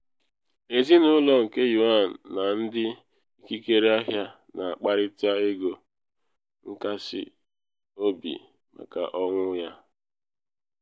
Ezinụlọ nke Yuan na ndị ikikere ahịa na akparịta ego nkasị obi maka ọnwụ ya.